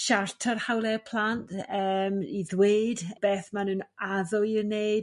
Siarter Hawliau Plant eem i ddweud beth ma' n'w'n addo i wneud